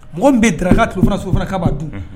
Mɔgɔ min bɛ drakaka tun fana so fana k''a dun